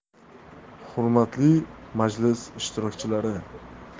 hurmatli majlis ishtirokchilari